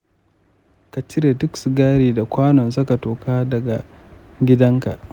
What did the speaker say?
ka cire duk sigari da kwanon saka toka daga gidanka.